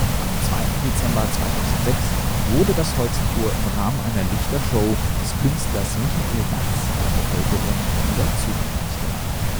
Am 2. Dezember 2006 wurde das Holstentor im Rahmen einer Lichtershow des Künstlers Michael Batz der Bevölkerung wieder zugänglich gemacht